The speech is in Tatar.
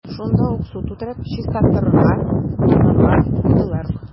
Шунда ук су тутырып, чистарырга – тонарга куйдылар.